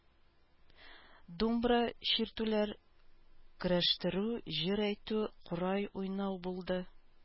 Думбра чиртүләр, көрәштерү, җыр әйтү, курай уйнау булды.